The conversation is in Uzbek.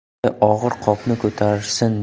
bunday og'ir qopni ko'tarsin